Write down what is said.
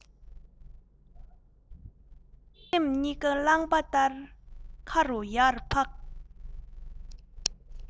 ལུས སེམས གཉིས ཀ རླངས པ ལྟར མཁའ རུ ཡར འཕགས